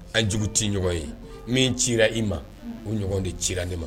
Anjugu tɛ ɲɔgɔn ye min cira i ma o ɲɔgɔn de ci ne ma